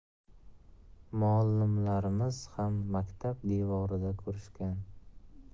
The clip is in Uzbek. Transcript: muallimlarimiz ham maktab devorida ko'rishgan